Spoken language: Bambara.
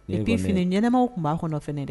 N'f fini ɲɛnɛmaw tun' kɔnɔ fana dɛ